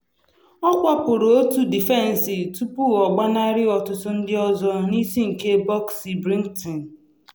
Ọ kwapụrụ otu defensị tupu ọ gbanarị ọtụtụ ndị ọzọ n’isi nke bọksị Brighton.